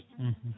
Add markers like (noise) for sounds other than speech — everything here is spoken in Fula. (hesitation) (hesitation)